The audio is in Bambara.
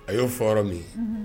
A y'o fɔ yɔrɔ min; Unhun.